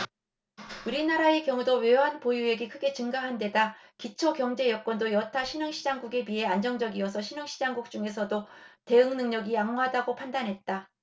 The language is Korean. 우리나라의 경우도 외환보유액이 크게 증가한 데다 기초경제여건도 여타 신흥시장국에 비해 안정적이어서 신흥시장국 중에서도 대응능력이 양호하다고 판단했다